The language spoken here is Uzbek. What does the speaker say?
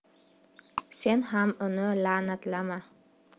sen ham uni la'natlama